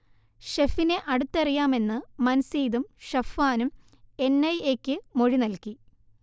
ഷെഫിനെ അടുത്തറിയാമെന്ന് മൻസീദും ഷഫ്വാനും എൻ ഐ എ യ്ക്ക് മൊഴി നൽകി